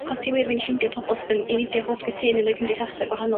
achos ti wir yn mynd i ffindio pobol sydd yn inieidia hoff gytŷn yn y cymdeithasa' gwahanol